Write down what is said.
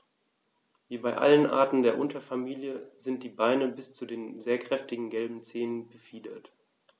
Wie bei allen Arten der Unterfamilie sind die Beine bis zu den sehr kräftigen gelben Zehen befiedert.